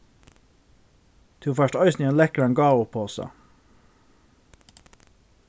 tú fært eisini ein lekkran gávuposa